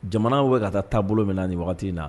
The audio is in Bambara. Jamana bɛ ka taa taabolo bolo minna na nin wagati in na